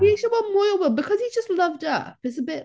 Dwi eisiau gweld mwy o Will because he's just loved up it's a bit...